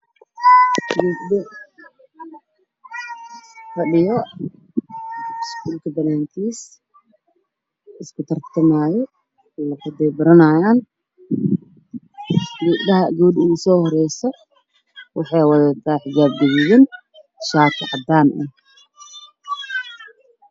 Waxaa ii muuqda saddex wiil oo wato shaarar cadaan ah iyo labo gabdhood oo wato xijaab guduudan iyo mid cagaarna oo wax islabaranahayo